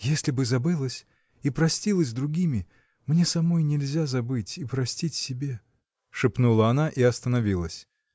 — Если б и забылось и простилось другими, мне самой нельзя забыть и простить себе. — шепнула она и остановилась.